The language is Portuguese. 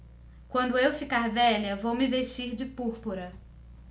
quando eu ficar velha vou me vestir de púrpura